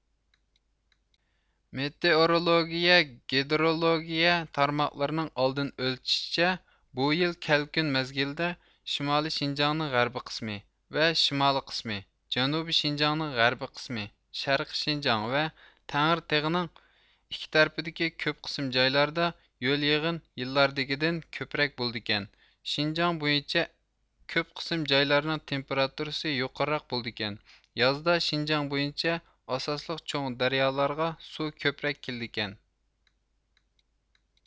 مېتېئورولوگىيە گېدرولوگىيە تارماقلىرىنىڭ ئالدىن ئۆلچىشىچە بۇ يىل كەلكۈن مەزگىلىدە شىمالىي شىنجاڭنىڭ غەربىي قىسمى ۋە شىمالىي قىسمى جەنۇبىي شىنجاڭنىڭ غەربىي قىسمى شەرقىي شىنجاڭ ۋە تەڭرىتېغىنىڭ ئىككى تەرىپىدىكى كۆپ قىسىم جايلاردا ھۆل يېغىن يىللاردىكىدىن كۆپرەك بولىدىكەن شىنجاڭ بويىچە كۆپ قىسىم جايلارنىڭ تېمپېراتۇرىسى يۇقىرىراق بولىدىكەن يازدا شىنجاڭ بويىچە ئاساسلىق چوڭ دەريالارغا سۇ كۆپرەك كېلىدىكەن